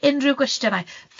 Unrhyw gwestiynau.